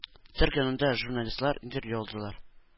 Цирк янында журналистлар интервью алдылар.